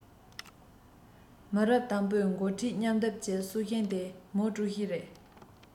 མི རབས དང པོའི འགོ ཁྲིད མཉམ སྡེབ ཀྱི སྲོག ཤིང ནི མའོ ཀྲུའུ ཞི རེད